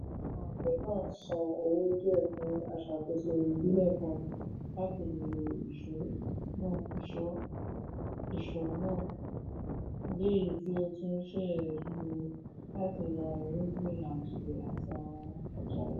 Àwọn àgbẹ̀ náà san owó díẹ̀ fún aṣàkóso ìbílẹ̀ kan láti ló ìṣọ̀ náà, lèyí tí ó tún ṣeé lò láti ra irúgbìn, ajílẹ̀ àti àwọn ọjà yòókù.